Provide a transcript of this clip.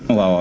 waawaaw